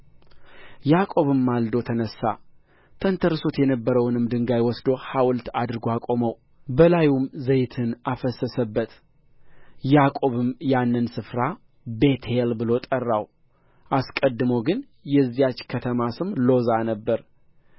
ያዕቆብም ማልዶ ተነሣ ተንተርሶት የነበረውንም ድንጋይ ወስዶ ሐውልት አድርጎ አቆመው በላዩም ዘይትን አፈሰሰበት ያዕቆብም ያንን ስፍራ ቤቴል ብሎ ጠራው አስቀድሞ ግን የዚያች ከተማ ስም ሎዛ ነበረ